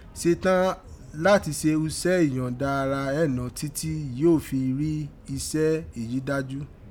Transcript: Sẹ̀tàn la se usẹ́ ìyọ̀ǹda ara ẹnọ títí yìí ó fi rí usẹ́ èyí dájú.